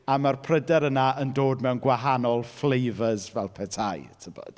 A ma'r pryder yna yn dod mewn gwahanol flavours fel petai, tibod?